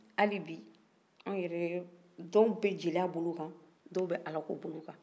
ali bi anw yɛrɛ dɔ bɛ jeliya bolo kan dɔw bɛ ala ko bolo kan